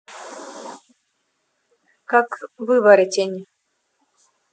как выворотень